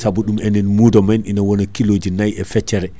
saabu ɗum enen muudo men ene wona kiloji nayyi e feccere